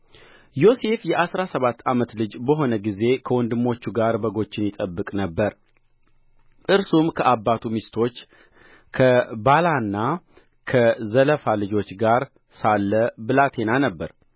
ዮሴፍ የአሥራ ሰባት ዓመት ልጅ በሆነ ጊዜ ከወንድሞቹ ጋር በጎችን ይጠብቅ ነበር እርሱም ከአባቱ ሚስቶች ከባላና ከዘለፋ ልጆች ጋር ሳለ ብላቴና ነበረ